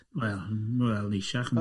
Wel, wel, neisiach yndi?